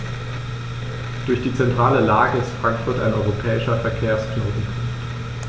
Durch die zentrale Lage ist Frankfurt ein europäischer Verkehrsknotenpunkt.